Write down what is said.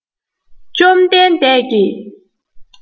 བཅོམ ལྡན འས ཀྱིས